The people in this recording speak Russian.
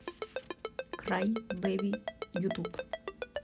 край бэби ютуб